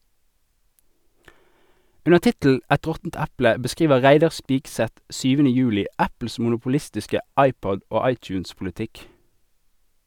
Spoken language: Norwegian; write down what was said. Under tittelen "Et råttent eple" beskriver Reidar Spigseth 7. juli Apples monopolistiske iPod- og iTunes-politikk.